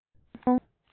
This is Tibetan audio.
ཆུང ཆུང